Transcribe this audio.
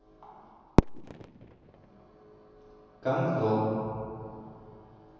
камзол